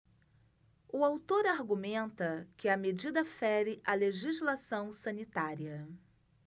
o autor argumenta que a medida fere a legislação sanitária